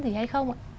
hay không ạ